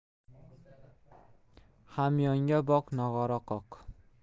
hamyonga boq nog'ora qoq